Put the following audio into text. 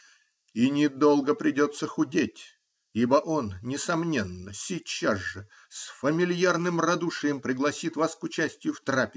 И недолго придется худеть, ибо он, несомненно, сейчас же с фамильярным радушием пригласит вас к участию в трапезе.